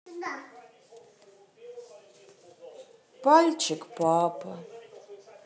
пальчик папа